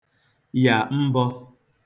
yà mbọ̄